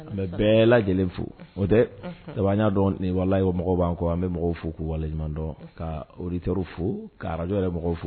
N bɛ bɛɛ lajɛlen fo o dɛ y'a dɔn ni wa mɔgɔ b'an kɔ an bɛ mɔgɔw fo k'u waleɲuman dɔn ka wt fo ka araj yɛrɛ mɔgɔw fo